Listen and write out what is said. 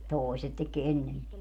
toiset teki ennemmin